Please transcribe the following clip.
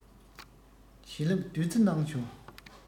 བྱིན བརླབས བདུད རྩི གནང བྱུང